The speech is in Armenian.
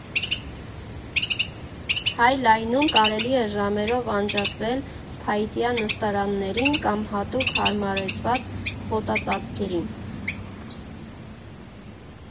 Հայ Լայնում կարելի է ժամերով անջատվել փայտյա նստարաններին կամ հատուկ հարմարեցված խոտածածկերին։